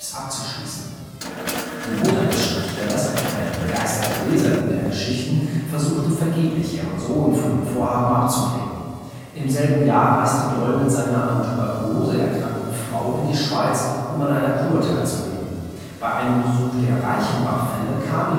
abzuschließen. Die Mutter des Schriftstellers, eine begeisterte Leserin der Geschichten, versuchte vergeblich, ihren Sohn von dem Vorhaben abzubringen. Im selben Jahr reiste Doyle mit seiner an Tuberkulose erkrankten Frau in die Schweiz, um an einer Kur teilzunehmen. Bei einem Besuch der Reichenbachfälle kam